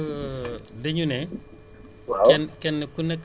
xam nga dañu ne